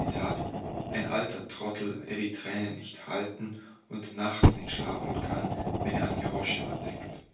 … Ein alter Trottel, der die Tränen nicht halten und nachts nicht schlafen kann, wenn er an Hiroshima denkt! …“).